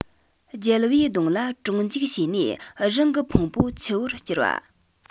རྒྱལ བུའི གདུང ལ གྲོང འཇུག བྱས ནས རང གི ཕུང པོ ཆུ བོར བསྐྱུར བ